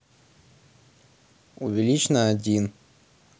увеличь на один